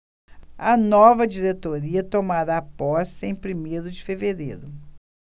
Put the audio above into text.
a nova diretoria tomará posse em primeiro de fevereiro